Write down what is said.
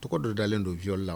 Tɔgɔ dɔ dalen do viole la